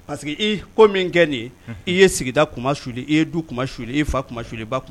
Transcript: Parce que i ko min kɛ nin i ye sigida suli i ye du kuma suli i fa kuma suli ba